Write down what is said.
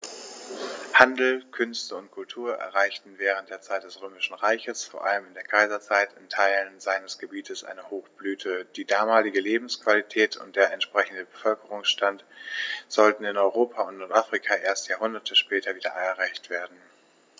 Handel, Künste und Kultur erreichten während der Zeit des Römischen Reiches, vor allem in der Kaiserzeit, in Teilen seines Gebietes eine Hochblüte, die damalige Lebensqualität und der entsprechende Bevölkerungsstand sollten in Europa und Nordafrika erst Jahrhunderte später wieder erreicht werden.